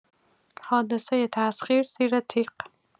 حادثه تسخیر، زیر تیغ!